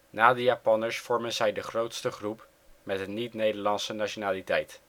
Na de Japanners vormen zij de grootste groep met een niet-Nederlandse nationaliteit